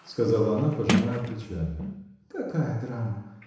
— сказала она, пожимая плечами. — Какая драма!